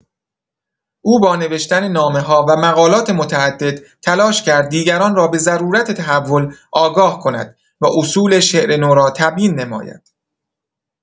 او با نوشتن نامه‌ها و مقالات متعدد تلاش کرد دیگران را به ضرورت تحول آگاه کند و اصول شعر نو را تبیین نماید.